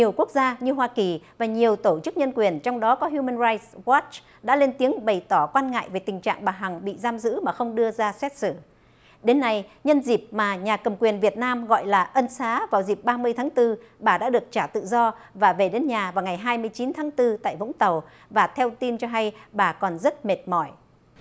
nhiều quốc gia như hoa kỳ và nhiều tổ chức nhân quyền trong đó có hiu mừn rai goắt đã lên tiếng bày tỏ quan ngại về tình trạng bà hằng bị giam giữ mà không đưa ra xét xử đến nay nhân dịp mà nhà cầm quyền việt nam gọi là ân xá vào dịp ba mươi tháng tư bà đã được trả tự do và về đến nhà vào ngày hai mươi chín tháng tư tại vũng tàu và theo tin cho hay bà còn rất mệt mỏi